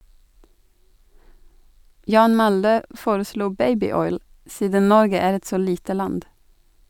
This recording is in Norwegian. Jan Malde foreslo "Babyoil", siden Norge er et så lite land.